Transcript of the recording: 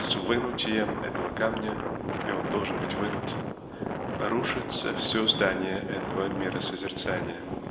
С вынутием этого камня -- а он должен быть вынут -- рушится все здание этого миросозерцания.